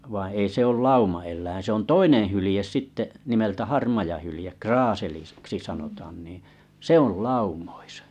vaan ei se ole laumaeläin se on toinen hylje sitten nimeltä harmaa hylje - kraaseliksi sanotaankin se on laumoissa